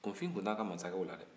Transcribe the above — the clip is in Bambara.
kunfin tun tɛ anw ka mansakɛw la dɛ